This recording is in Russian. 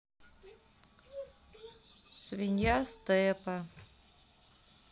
свинья степа